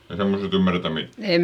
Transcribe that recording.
ei semmoisesta ymmärretä mitään